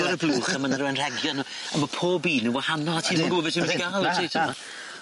Agor y blwch a ma' 'na ryw anrhegion yy a ma' pob un yn wahanol a ti ddim yn ? Na na.